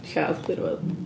Lladd chdi neu rywbeth.